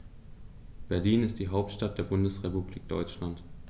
Berlin ist die Hauptstadt der Bundesrepublik Deutschland.